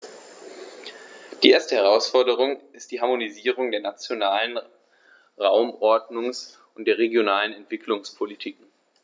Die erste Herausforderung ist die Harmonisierung der nationalen Raumordnungs- und der regionalen Entwicklungspolitiken.